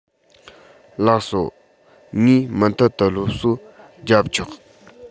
ལགས སོ ངས མུ མཐུད དུ སློབ གསོ རྒྱབ ཆོག